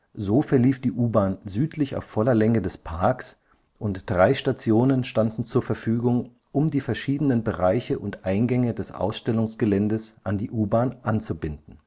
So verlief die U-Bahn südlich auf voller Länge des Parks, und drei Stationen standen zur Verfügung, um die verschiedenen Bereiche und Eingänge des Ausstellungsgeländes an die U-Bahn anzubinden